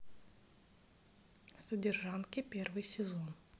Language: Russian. содержанки первый сезон